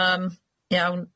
Yym, iawn.